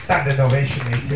Standing ovation i ti.